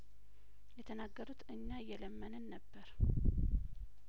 የተናገሩት እኛ እየለመንን ነበር